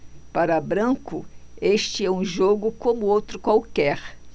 para branco este é um jogo como outro qualquer